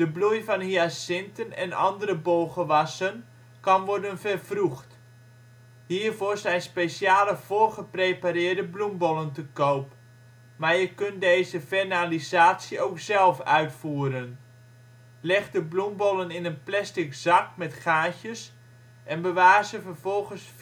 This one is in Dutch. bloei van hyacinten en andere bolgewassen kan worden vervroegd. Hiervoor zijn speciale voorgeprepareerde bloembollen te koop, maar je kunt deze vernalisatie ook zelf uitvoeren. Leg de bloembollen in een plastic zak met gaatjes en bewaar ze vervolgens